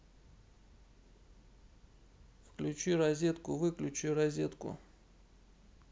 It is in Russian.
включи розетку выключи розетку